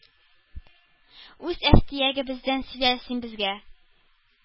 Үз әфтиягебездән сөйлә син безгә,-